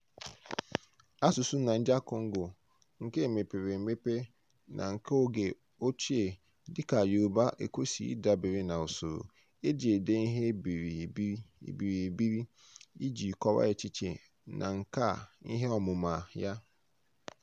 Asụsụ Niger-Congo nke mepere emepe na nke oge ochie dị ka Yorùbá ekwesịghị ịdabere na usoro e ji ede ihe e biiri ebiri iji kọwaa echiche na nkà ihe ọmụma ya.